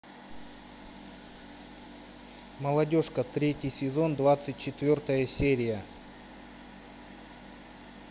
молодежка третий сезон двадцать четвертая серия